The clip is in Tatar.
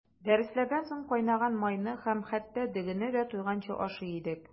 Дәресләрдән соң кайнаган майны һәм хәтта дөгене дә туйганчы ашый идек.